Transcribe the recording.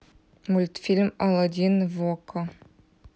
мультфильм алладин в окко